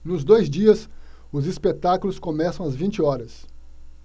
nos dois dias os espetáculos começam às vinte horas